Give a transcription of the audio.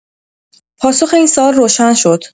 پاسخ این سوال روشن شد.